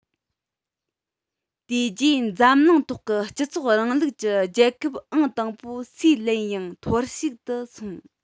དེ རྗེས འཛམ གླིང ཐོག གི སྤྱི ཚོགས རིང ལུགས ཀྱི རྒྱལ ཁབ ཨང དང པོ སུའུ ལེན ཡང ཐོར ཞིག ཏུ སོང